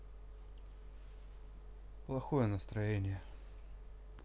плохое настроение